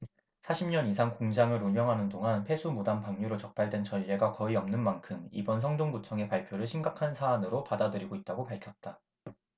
사십 년 이상 공장을 운영하는 동안 폐수 무단 방류로 적발된 전례가 거의 없는 만큼 이번 성동구청의 발표를 심각한 사안으로 받아들이고 있다고 밝혔다